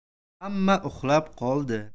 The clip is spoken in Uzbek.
hamma uxlab qoldi